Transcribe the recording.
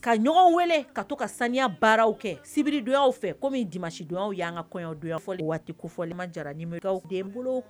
Ka ɲɔgɔn weele ka to ka saniya baaraw kɛ sibiridon fɛ ko min di masidon y'an ka kɔɲɔdonfɔ waati kofɔlima jarakaw den bolo